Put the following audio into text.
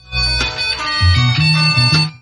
San